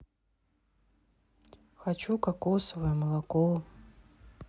хочу кокосовое молоко